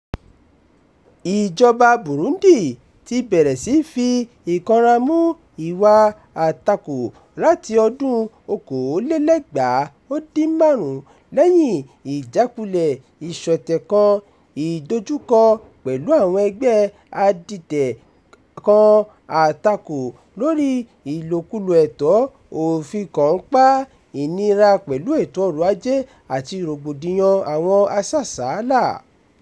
Ìjọba Burundi ti bẹ̀rẹ̀ sí í fi ìkanra mú ìwà àtakò láti ọdún 2015, lẹ́yìn ìjákulẹ̀ ìṣọ̀tẹ̀ kan, ìdojúkọ pẹ̀lú àwọn ẹgbẹ́ adìtẹ̀ kan, àtakò lórí ìlòkulò ẹ̀tọ́, òfin kànńpá, ìnira pẹ̀lú ètò ọrọ̀-ajé àti rògbòdìyàn àwọn asásàálà.